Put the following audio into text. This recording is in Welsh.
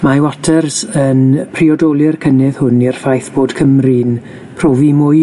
Mae Watters yn priodoli'r cynnydd hwn i'r ffaith bod Cymru'n profi mwy